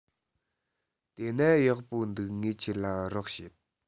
དེ ན ཡག པོ འདུག ངས ཁྱོད ལ རོགས བྱེད